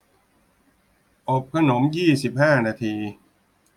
อบขนมยี่สิบห้านาที